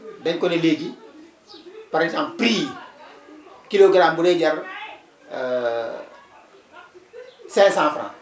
dañu ko ne léegi par exemple prix yi kilogramme bu dee jar 500F